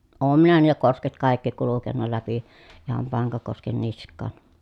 olen minä niillä kosket kaikki kulkenut läpi ihan Pankakosken niskaan